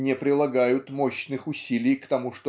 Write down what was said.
не прилагают мощных усилий к тому